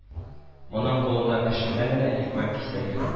Моның кулында кечкенә генә икмәк кисәге